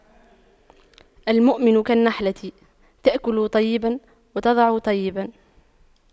المؤمن كالنحلة تأكل طيبا وتضع طيبا